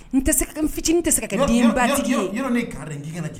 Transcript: Fitinin tɛ se ka